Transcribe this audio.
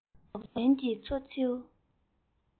མདོག ཅན གྱི མཚོ མཚེའུ